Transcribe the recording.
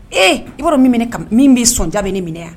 Ee i b'a dɔn min bɛ ne kamanagan min sɔnja bɛ ne minɛ wa?